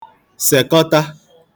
sèkọta